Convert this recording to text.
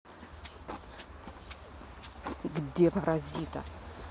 где паразита